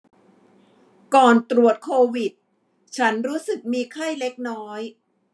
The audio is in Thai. ก่อนตรวจโควิดฉันรู้สึกมีไข้เล็กน้อย